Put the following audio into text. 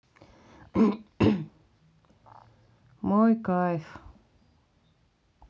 мой кайф